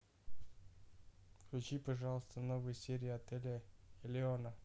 включи пожалуйста новые серии отеля элеона